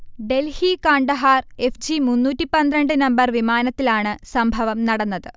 Delhi-Kandahar F. G മുന്നൂറ്റി പന്ത്രണ്ട് number വിമാനത്തിലാണ് സംഭവം നടന്നത്